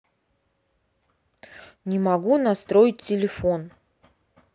не могу настроить телефон